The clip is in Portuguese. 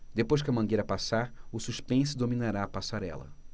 depois que a mangueira passar o suspense dominará a passarela